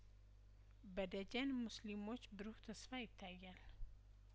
በደጀን ሙስሊሞች ብሩህ ተስፋ ይታያል